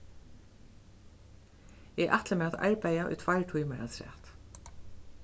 eg ætli mær at arbeiða í tveir tímar afturat